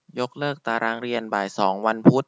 ยกเลิกตารางเรียนบ่ายสองวันพุธ